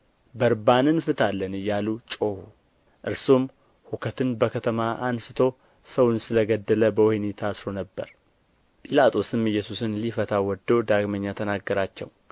በርባንንም ፍታልን እያሉ ጮኹ እርሱም ሁከትን በከተማ አንሥቶ ሰውን ስለ ገደለ በወኅኒ ታስሮ ነበር ጲላጦስም ኢየሱስን ሊፈታ ወድዶ ዳግመኛ ተናገራቸው